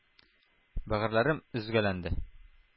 Бәгырьләрем өзгәләнде,